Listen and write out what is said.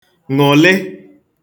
ṅụ̀lị